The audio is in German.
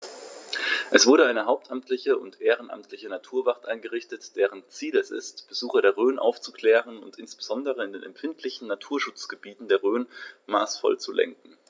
Es wurde eine hauptamtliche und ehrenamtliche Naturwacht eingerichtet, deren Ziel es ist, Besucher der Rhön aufzuklären und insbesondere in den empfindlichen Naturschutzgebieten der Rhön maßvoll zu lenken.